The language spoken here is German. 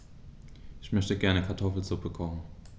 Ich möchte gerne Kartoffelsuppe kochen.